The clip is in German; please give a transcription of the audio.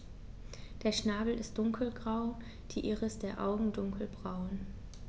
Der Schnabel ist dunkelgrau, die Iris der Augen dunkelbraun.